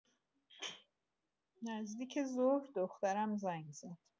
نزدیک ظهر، دخترم زنگ زد.